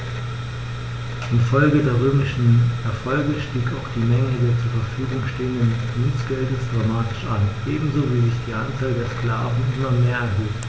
Infolge der römischen Erfolge stieg auch die Menge des zur Verfügung stehenden Münzgeldes dramatisch an, ebenso wie sich die Anzahl der Sklaven immer mehr erhöhte.